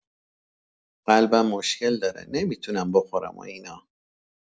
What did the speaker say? قلبم مشکل داره نمی‌تونم بخورم و اینا